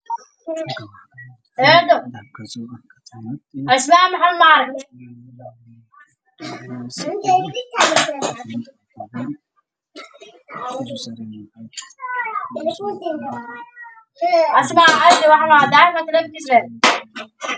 Waa katiinad dahab oo ku jiro bambal